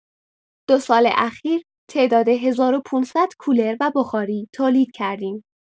۲ سال اخیر تعداد ۱۵۰۰ کولر و بخاری تولید کردیم.